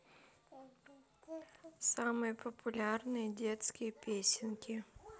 самые популярные детские песенки